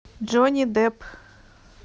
джонни депп